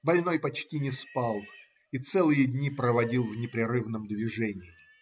Больной почти не спал и целые дни проводил в непрерывном движении.